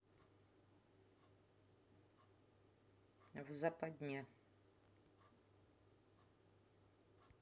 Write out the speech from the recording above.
в западне